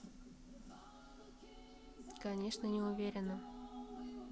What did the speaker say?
конечно не уверена